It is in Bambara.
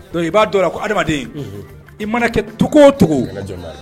Don i b'a dɔn ko adama i mana kɛ to cogo